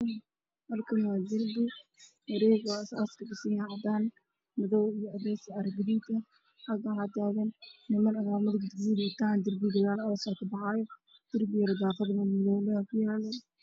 Meeshan waxaa iga muuqda meel wareegsan oo ay ku jiraan ciid iyo dhagaxaan halkaas waxaa taagan niman